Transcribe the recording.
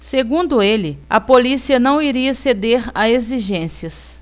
segundo ele a polícia não iria ceder a exigências